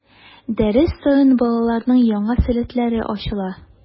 Дәрес саен балаларның яңа сәләтләре ачыла.